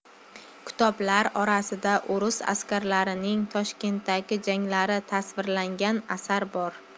kitoblar orasida o'rus askarlarining toshkentdagi janglari tasvirlangan asar bor